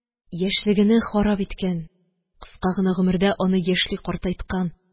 Яшьлегене харап иткән, кыска гына гомердә аны яшьли картайткан,